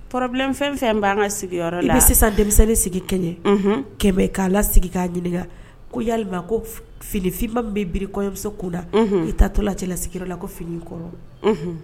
Problème fɛn o fɛn b'an ka sigiyɔrɔ la. I bɛ sisan denmisɛnniw sigi kelen. Unhun. kɛmɛ k'a lasigi k'a ɲininka ko yalima ko fini finman min bɛ biri kɔɲɔmuso kun na. Unhun. I taatɔla cɛlasigiyɔrɔ la ko fini in kɔrɔ. Unhun.